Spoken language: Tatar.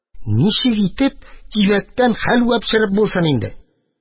Ничек итеп кибәктән хәлвә пешереп булсын инде?!